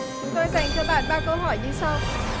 chúng tôi dành cho bạn ba câu hỏi như sau